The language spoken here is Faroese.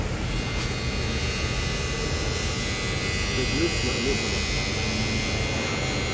set músina á músamottuna